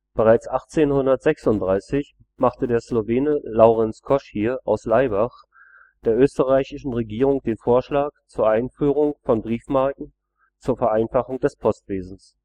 Bereits 1836 machte der Slowene Laurenz Koschier aus Laibach der österreichischen Regierung den Vorschlag der Einführung von Briefmarken zur Vereinfachung des Postwesens